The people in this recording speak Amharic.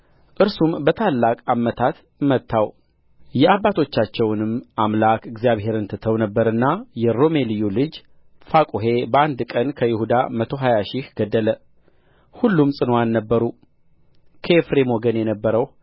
እርሱም በታላቅ አመታት መታው የአባቶቻቸውንም አምላክ እግዚአብሔርን ትተው ነበርና የሮሜልዩ ልጅ ፋቁሔ በአንድ ቀን ከይሁዳ መቶ ሀያ ሺህ ገደለ ሁሉም ጽኑዓን ነበሩ ከኤፍሬምም ወገን የነበረው